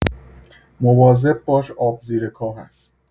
مواظبش باش، آب زیر کاه است.